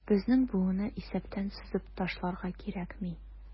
Безнең буынны исәптән сызып ташларга кирәкми.